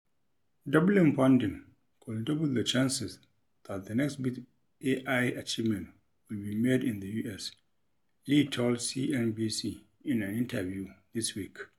Doubling funding could double the chances that the next big AI achievement will be made in the U.S., Lee told CNBC in an interview this week.